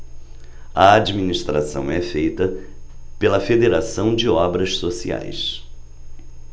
a administração é feita pela fos federação de obras sociais